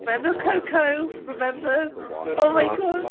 Remember Coco? Remember? Oh my God.